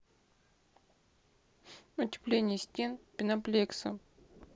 утепление стен пеноплексом